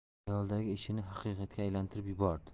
xayolidagi ishini haqiqatga aylantirib yubordi